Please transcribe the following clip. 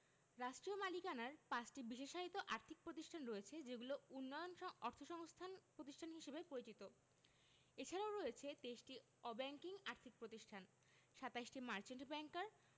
রাষ্ট্রীয় মালিকানার ৫টি বিশেষায়িত আর্থিক প্রতিষ্ঠান রয়েছে যেগুলো উন্নয়ন অর্থসংস্থান প্রতিষ্ঠান হিসেবে পরিচিত এছাড়াও রয়েছে ২৩টি অব্যাংকিং আর্থিক প্রতিষ্ঠান ২৭টি মার্চেন্ট ব্যাংকার